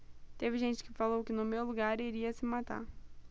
teve gente que falou que no meu lugar iria se matar